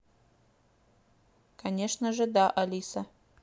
конечно же да алиса